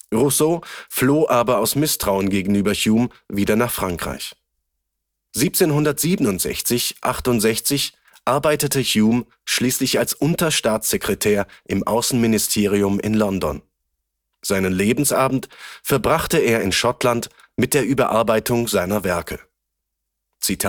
Rousseau floh aber aus Misstrauen gegenüber Hume wieder nach Frankreich (siehe dazu Literatur: Edmonds). 1767 / 68 arbeitete Hume schließlich als Unterstaatssekretär im Außenministerium in London. Seinen Lebensabend verbrachte er in Schottland mit der Überarbeitung seiner Werke. „ Die